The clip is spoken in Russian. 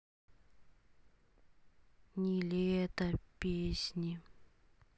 нилетто песни